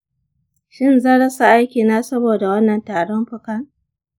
shin zan rasa aikina saboda wannan tarin fukan?